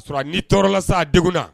A' sɔrɔ ni'i tɔɔrɔla sa de na